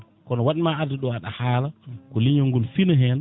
kono wanma arde ɗo aɗa haala ko leeñol ngol fiina hen